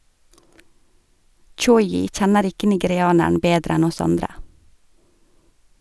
Tchoyi kjenner ikke nigerianeren bedre enn oss andre